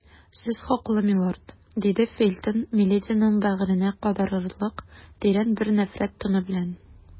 Сез хаклы, милорд, - диде Фельтон милединың бәгыренә кадалырлык тирән бер нәфрәт тоны белән.